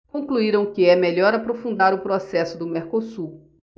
concluíram que é melhor aprofundar o processo do mercosul